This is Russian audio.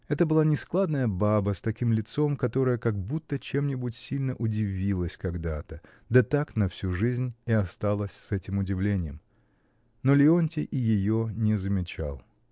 Это была нескладная баба, с таким лицом, которое как будто чему-нибудь сильно удивилось когда-то, да так на всю жизнь и осталось с этим удивлением. Но Леонтий и ее не замечал.